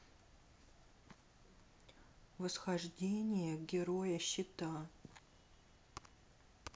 восхождение героя щита